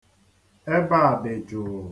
Ebe a dị jụụ.